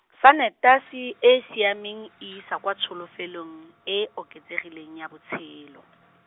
sanetasi e e siameng e isa kwa tsholofelong, e e oketsegileng ya botshelo.